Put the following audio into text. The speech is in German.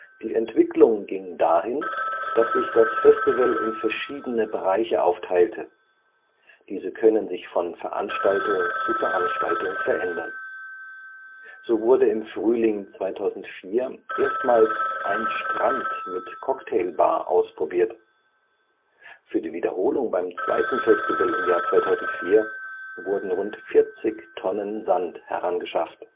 Die Entwicklung ging dahin, dass sich das Festival in verschiedene Bereiche aufteilte. Diese können sich von Veranstaltung zu Veranstaltung verändern. So wurde im Frühling 2004 erstmals ein Strand mit Cocktailbar ausprobiert. Für die Wiederholung beim zweiten Festival im Jahr 2004 wurden rund 40 Tonnen Sand herangeschafft